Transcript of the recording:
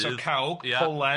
So cawg, powlen.